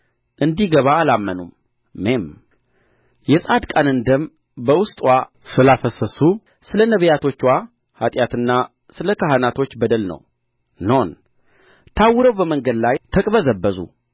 እንዲገባ አላመኑም ሜም የጻድቃንን ደም በውስጥዋ ስላፈሰሱ ስለ ነቢያቶችዋ ኃጢአትና ስለ ካህናቶች በደል ነው ኖን ታውረው በመንገድ ላይ ተቅበዘበዙ